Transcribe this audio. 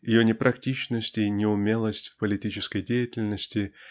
ее непрактичность и неумелость в политической деятельности